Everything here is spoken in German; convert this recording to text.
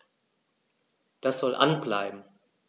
Das soll an bleiben.